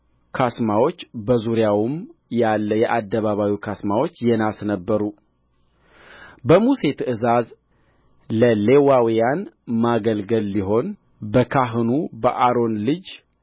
ካስማዎች በዙሪያውም ያለ የአደባባዩ ካስማዎች የናስ ነበሩ በሙሴ ትእዛዝ ለሌዋውያን ማገልገል ሊሆን በካህኑ በአሮን ልጅ